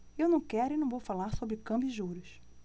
eu não quero e não vou falar sobre câmbio e juros